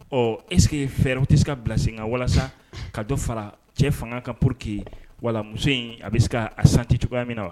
Ɔ esse fɛɛrɛ o tɛ se ka bila sen nka walasa ka dɔ fara cɛ fanga ka pour que wala muso in a bɛ se a sanji cogoya min na wa